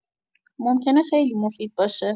ممکنه خیلی مفید باشه.